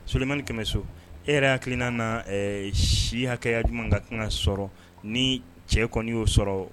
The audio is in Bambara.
Solimani Kɛmɛso e yɛrɛ hakilina ɛɛ si hakɛya jumɛn ka kan ka sɔrɔ ni cɛ kɔni y'o sɔrɔ.